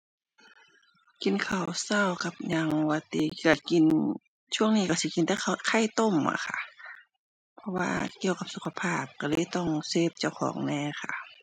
กินข้าวเช้ากับหยังว่าติ เช้ากิน ช่วงนี้เช้าสิกินแต่ข้าวไข่ต้มล่ะค่ะ เพราะว่าเกี่ยวกับสุขภาพเช้าเลยต้องเซฟเจ้าของแหน่ค่ะ